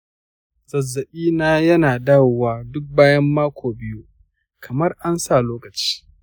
zazzabina yana dawowa duk bayan mako biyu kamar an sa lokaci.